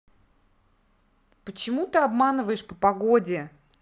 почему ты обманываешь по погоде